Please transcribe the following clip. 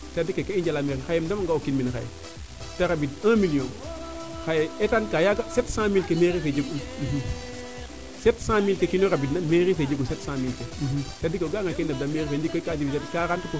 c' est a dire kee i njala maire xaye im dam anga o kiin mene xaye te rabid un million xaye etaan ka yaaga sept cent mille mairie fee jeg un sept cent mille ke kinoxe rabid mairie fee jegu sept cent mille ke a ga'a nga kee i ndamb da mairie fe ndikoy ka jeg quarante pourcent ke